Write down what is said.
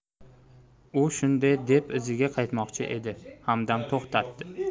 u shunday deb iziga qaytmoqchi edi hamdam to'xtatdi